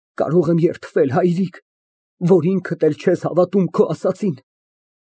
Կարող եմ երդվել, հայրիկ, որ ինքդ չես հավատում քո ասածին։